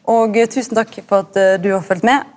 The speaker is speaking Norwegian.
og tusen takk for at du har følgt med.